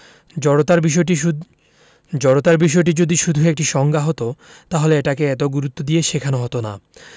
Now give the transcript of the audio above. জড়তার বিষয়টি যদি শুধু একটা সংজ্ঞা হতো তাহলে এটাকে এত গুরুত্ব দিয়ে শেখানো হতো না